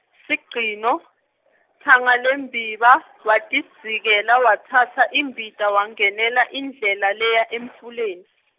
sigcino, Tsangalembiba, watidzikela watsatsa imbita wangenela indlela leya emfuleni.